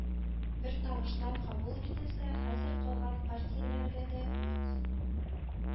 Бертавыштан кабул ителсә, хәзер калган партияләргә дә үз